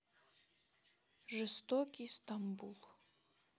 жестокий стамбул